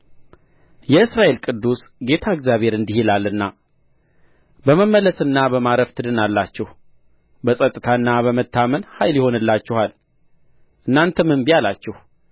የእስራኤል ቅዱስ ጌታ እግዚአብሔር እንዲህ ይላልና በመመለስና በማረፍ ትድናላችሁ በጸጥታና በመታመን ኃይል ይሆንላችኋል እናንተም እንቢ አላችሁ